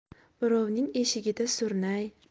birovning eshigida surnay